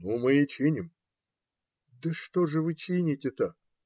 Ну, мы и чиним, - Да что ж вы чините-то?